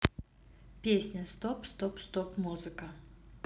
песня стоп стоп стоп музыка